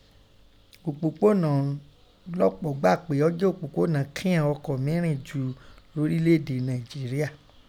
Opopona ọ̀hun lọ̀pọ̀ gbà pé ọ́ jẹ opopona kí ìghọn ọkọ mí rìn ju lọ́rilẹede Nàìnjíeríà.